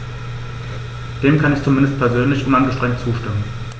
Dem kann ich zumindest persönlich uneingeschränkt zustimmen.